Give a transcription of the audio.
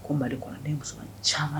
Ko mali kɔnɔ muso caman